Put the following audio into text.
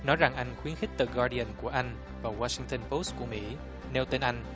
nói rằng anh khuyến khích tờ ga đi ừn của anh và oa sinh tơn pốt của mỹ nêu tên anh